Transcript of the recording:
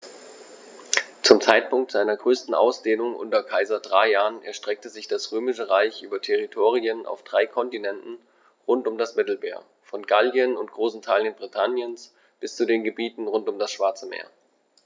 Zum Zeitpunkt seiner größten Ausdehnung unter Kaiser Trajan erstreckte sich das Römische Reich über Territorien auf drei Kontinenten rund um das Mittelmeer: Von Gallien und großen Teilen Britanniens bis zu den Gebieten rund um das Schwarze Meer.